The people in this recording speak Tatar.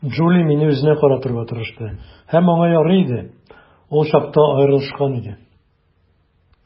Джули мине үзенә каратырга тырышты, һәм аңа ярый иде - ул чакта аерылышкан иде.